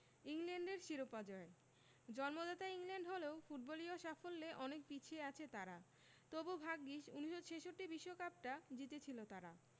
ইংল্যান্ডের শিরোপা জয় জন্মদাতা ইংল্যান্ড হলেও ফুটবলীয় সাফল্যে অনেক পিছিয়ে আছে তারা তবু ভাগ্যিস ১৯৬৬ বিশ্বকাপটা জিতেছিল তারা